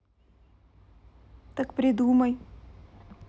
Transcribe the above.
так придумай